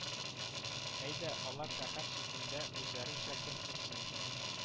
Өйдә, алар шәһәр читендә үзләренчә көн күрсен